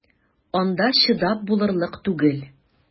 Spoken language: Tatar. Анда чыдап булырлык түгел!